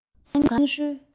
བོད ཁང སྙིང ཧྲུལ